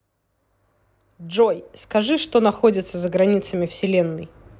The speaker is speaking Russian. джой скажи что находится за границами вселенной